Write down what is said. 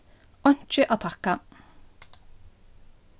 einki at takka